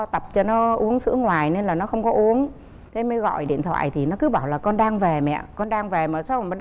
tập cho nó uống sữa ngoài nên là nó không có uống thế mới gọi điện thoại thì nó cứ bảo là con đang về mẹ ạ con đang về mà sao mà